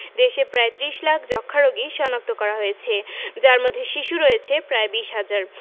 দেশে প্রায় ৩০ লাখ যক্ষ্মা রোগী শনাক্ত করা হয়েছে যার মধ্যে শিশু রয়েছে প্রায় ২০ হাজার